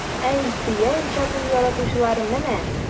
Ә Илсөя иҗатын яратучылар менә!